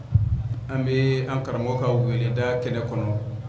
An bɛ an karamɔgɔ ka weleda kɛlɛ kɔnɔ